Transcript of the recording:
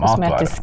matvarer.